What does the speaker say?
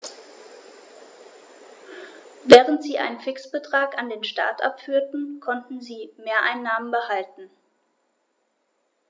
Während sie einen Fixbetrag an den Staat abführten, konnten sie Mehreinnahmen behalten.